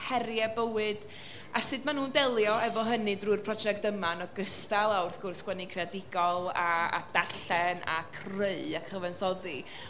heriau bywyd, a sut maen nhw'n delio efo hynny drwy'r project yma yn ogystal â, wrth gwrs, sgwennu creadigol a a darllen a creu a chyfansoddi.